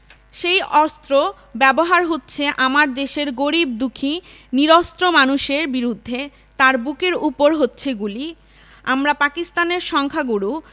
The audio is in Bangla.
সেই অস্ত্র ব্যবহার হচ্ছে আমার দেশের গরিব দুঃখী নিরস্ত্র মানুষের বিরূদ্ধে তার বুকের উপর হচ্ছে গুলি আমরা পাকিস্তানের সংখ্যাগুরু